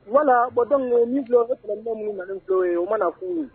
Wala bɔn donc min fiilɛ o problème dɔ in minnu nale filɛ o ye; o mana kununu